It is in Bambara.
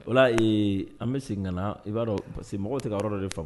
O an bɛ sigi ka na i b'a dɔn parce que mɔgɔ tɛ ka yɔrɔ de faamu